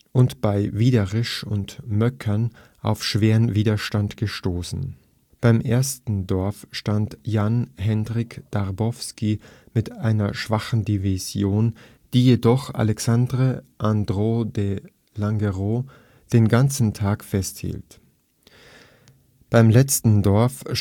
und bei Wiederitzsch und Möckern auf schweren Widerstand gestoßen. Beim ersten Dorf stand Jan Henryk Dąbrowski mit einer schwachen Division, die jedoch Alexandre Andrault de Langeron den ganzen Tag festhielt. Beim letzten Dorf